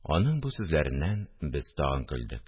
Аның бу сүзләреннән без тагын көлдек